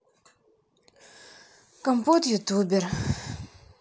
компот ютубер